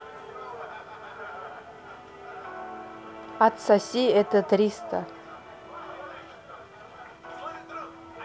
отсоси это триста